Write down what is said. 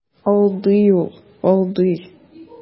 Алдый ул, алдый.